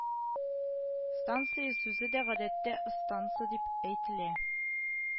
Станция сүзе дә гадәттә ыстансы дип әйтелә